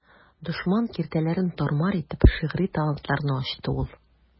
Дошман киртәләрен тар-мар итеп, шигъри талантларны ачты ул.